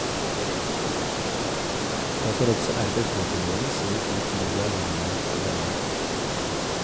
Da får også RBK-tilhengerne se de to uruguayanerne på banen.